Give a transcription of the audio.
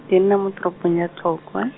ke nna mo toropong ya Tlokwe.